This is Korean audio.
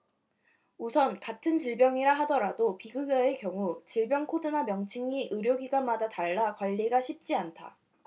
우선 같은 질병이라 하더라도 비급여의 경우 질병 코드나 명칭이 의료기관마다 달라 관리가 쉽지 않다